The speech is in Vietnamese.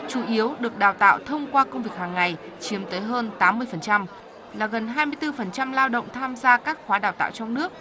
chủ yếu được đào tạo thông qua công việc hằng ngày chiếm tới hơn tám mươi phần trăm là gần hai mươi tư phần trăm lao động tham gia các khóa đào tạo trong nước